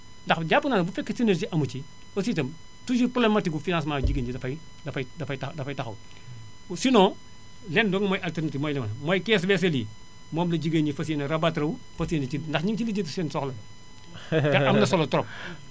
ndax jàpp naa ne bu fekkee synergie amu ci aussi itam toujours problèmatique bu fiancement jigéen ñi dafay dafay dafay taxa dafay taxaw ou sinon lenn dong mooy alternative bi mooy li ma la wax mooy caisse * yi moom la jigéen ñi fas yéene rabatre wu fas yéene ci ndax ñu ngi ciy lijanti seen soxla